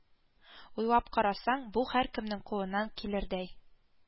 Уйлап карасаң, бу һәркемнең кулыннан килердәй